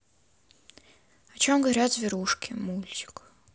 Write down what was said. о чем говорят зверушки мультик